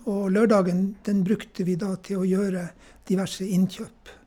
Og lørdagen, den brukte vi da til å gjøre diverse innkjøp.